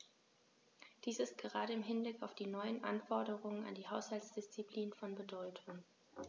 Dies ist gerade im Hinblick auf die neuen Anforderungen an die Haushaltsdisziplin von Bedeutung.